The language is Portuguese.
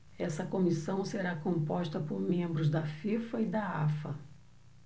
essa comissão será composta por membros da fifa e da afa